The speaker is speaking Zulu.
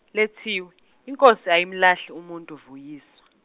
lethiwe iNkosi ayimlahli umuntu Vuyiswa.